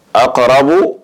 A kɔrɔ